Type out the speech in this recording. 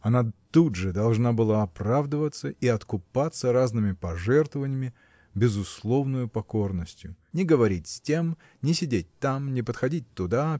Она тут же должна была оправдываться и откупаться разными пожертвованиями безусловною покорностью не говорить с тем не сидеть там не подходить туда